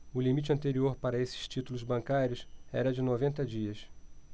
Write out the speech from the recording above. o limite anterior para estes títulos bancários era de noventa dias